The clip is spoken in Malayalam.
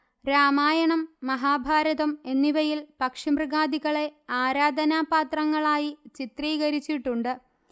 രാമായണം മഹാഭാരതം എന്നിവയിൽ പക്ഷിമൃഗാദികളെ ആരാധനാപാത്രങ്ങളായി ചിത്രീകരിച്ചിട്ടുണ്ട്